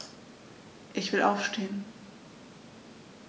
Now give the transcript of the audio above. Ich will aufstehen.